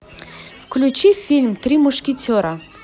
включи фильм три мушкетера